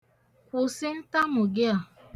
Kwụsị ntamụ gị a!